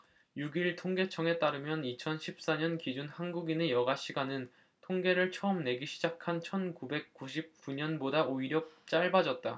육 일 통계청에 따르면 이천 십 사 년 기준 한국인의 여가 시간은 통계를 처음 내기 시작한 천 구백 구십 구 년보다 오히려 짧아졌다